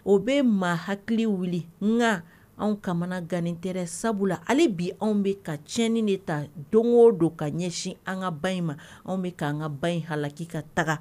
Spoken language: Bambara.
O bɛ maa hakili wuli nka anw kamana ganin tɛ sabula la ale bi anw bɛ ka tiɲɛni de ta don o don ka ɲɛsin an ka ba in ma anw bɛ ka an ka ba in hala k'i ka taga